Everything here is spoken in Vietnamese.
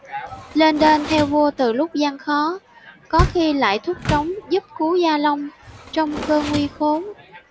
lênh đênh theo vua từ lúc gian khó có khi lại thúc trống giúp cứu gia long trong cơn nguy khốn